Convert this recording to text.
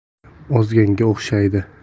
ozganga o'xshaydi